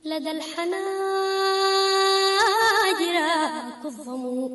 Tileyan wa